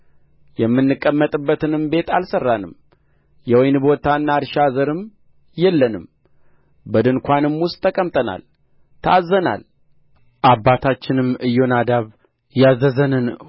የምንቀመጥበትንም ቤት አልሠራንም የወይን ቦታና እርሻ ዘርም የለንም በድንኳንም ውስጥ ተቀምጠናል ታዝዘናል አባታችንም ኢዮናዳብ ያዘዘንን